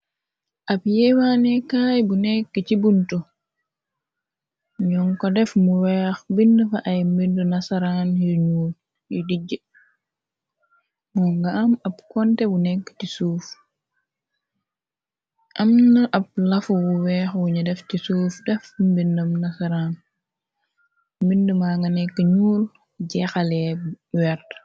ab yeewaane kaay bu nekk ci buntu ñoon ko def mu weex bind fa ay mbindu nasaraan yu uyu dijj moo nga am ab konte bu nekk ti suuf amna ab lafu bu weex wuñu def ti suuf def mbind ma nga nekk ñuur jeexalee weert